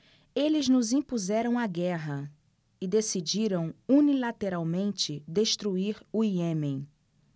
eles nos impuseram a guerra e decidiram unilateralmente destruir o iêmen